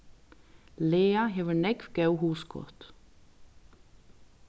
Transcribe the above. lea hevur nógv góð hugskot